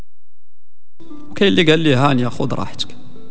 قال لي قال لي هاني اخذ راحتك